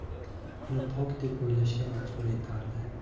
uni pok deb o'ylashga majbur etardi